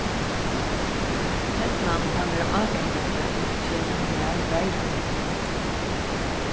ternan kann vera ágangandi um tú kemur ov nær reiðrinum